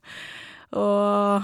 Og...